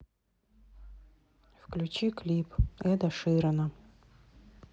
включи клип эда ширана